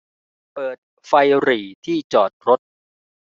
เปิดไฟหรี่ที่จอดรถ